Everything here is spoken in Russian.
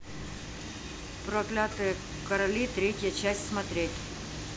проклятые короли третья часть смотреть